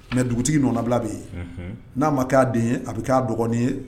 Mɛ dugutigi nana nabila bɛ yen n'a ma k'a den ye a bɛ k'a dɔgɔnin ye